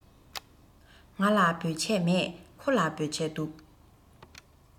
ང ལ བོད ཆས མེད ཁོ ལ བོད ཆས འདུག